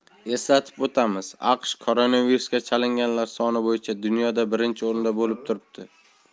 eslatib o'tamiz aqsh koronavirusga chalinganlar soni bo'yicha dunyoda birinchi o'rinda bo'lib turibdi